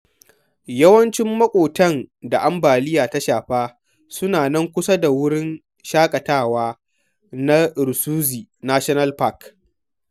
Yawancin maƙotan da ambaliya ta shafa suna nan kusa da wurin shaƙatawa na Rusizi National Park.